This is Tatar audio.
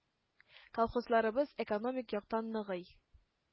Колхозларыбыз экономик яктан ныгый.